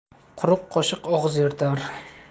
quruq qoshiq og'iz yirtar